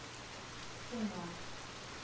Цена